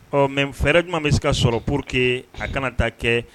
Ɔ mɛ fɛɛrɛ jumɛn bɛ se ka sɔrɔ po que a kana taa kɛ